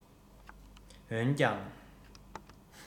འོན ཀྱང